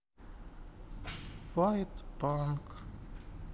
вайт панк